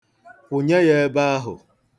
Kwụnye ya ebe ahụ.